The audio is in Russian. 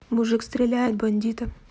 мужик стреляет бандита